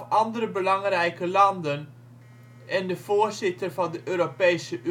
andere belangrijke landen en de voorzitter van de Europese